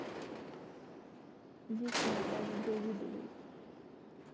дети натальи давыдовой